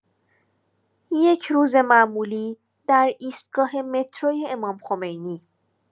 یک روز معمولی در ایستگاه مترو امام‌خمینی